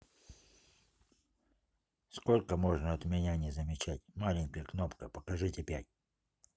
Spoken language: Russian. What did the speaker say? сколько можно от меня не замечать маленькая кнопка покажите пять